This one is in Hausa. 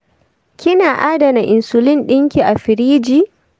kina adana insulin dinki a firiji?